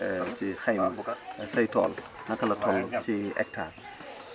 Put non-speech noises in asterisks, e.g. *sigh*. *hesitation* *noise* ci xayma *crosstalk* say tool naka la toll *crosstalk* ci hectare *noise*